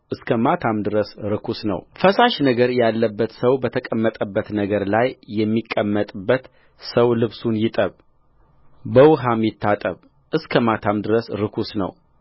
እስከ ማታም ድረስ ርኩስ ነውፈሳሽ ነገር ያለበት ሰው በተቀመጠበት ነገር ላይ የሚቀመጥበት ሰው ልብሱን ይጠብ በውኃም ይታጠብ እስከ ማታም ድረስ ርኩስ ነው